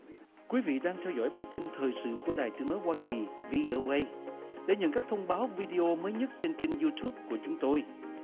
quý vị đang theo dõi bản tin thời sự của đài tiếng nói hoa kỳ vi âu ây để nhận các thông báo vi đi ô mới nhất trên kênh diu túp của chúng tôi